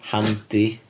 Handi?